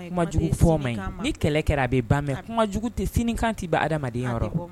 Kuma jugu fɔ man ɲi. Ni kɛlɛ kɛra a bɛ ba. mais kuma jugu tɛ, sini kan tɛ ban adamaden yɔrɔ. A ti ban.